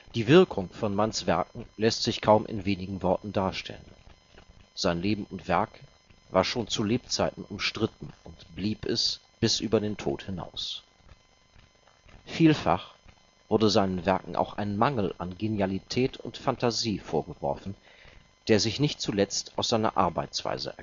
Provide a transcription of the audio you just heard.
Die Wirkung von Manns Werken lässt sich kaum in wenigen Worten darstellen. Sein Leben und Werk war schon zu Lebzeiten umstritten und blieb es bis über den Tod hinaus. Vielfach wurde seinen Werken auch ein Mangel an Genialität und Phantasie vorgeworfen, der sich nicht zuletzt aus seiner Arbeitsweise